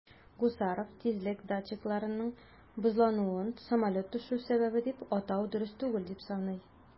Гусаров тизлек датчикларының бозлануын самолет төшү сәбәбе дип атау дөрес түгел дип саный.